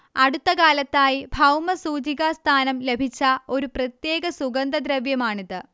അടുത്തകാലത്തായി ഭൗമസൂചിക സ്ഥാനം ലഭിച്ച ഒരു പ്രത്യേക സുഗന്ധദ്രവ്യമാണിത്